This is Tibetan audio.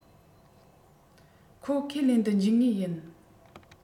ཁོ ཁས ལེན དུ འཇུག ངེས ཡིན